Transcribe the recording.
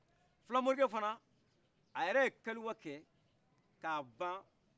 fila mɔrikɛ fana a yɛrɛ ye kalwa kɛ k'a ban